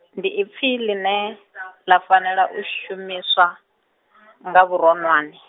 ndi ipfi ḽine , ḽa fanela u shumiswa , nga vhuronwane.